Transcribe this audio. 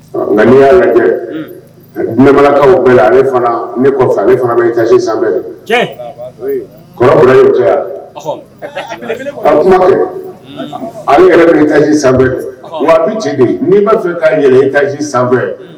Nka'i y'a lajɛ kɛ ɲamakalakaw o bɛ la ne ne ne fana bɛ ta san bɛɛ kɔrɔ' cɛ tumakɛ ale yɛrɛ bɛ kaji san bɛɛ waati jigin ni b'a fɛ ka yɛlɛ kaji sanfɛ bɛɛ